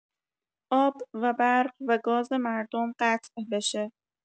آب و برق و گاز مردم قطع بشه.